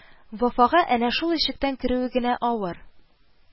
Вафага әнә шул ишектән керүе генә авыр